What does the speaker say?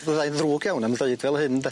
Fyddai'n ddrwg iawn am ddeud fel hyn de?